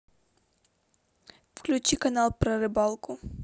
включи канал про рыбалку